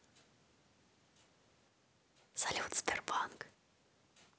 салют сбербанк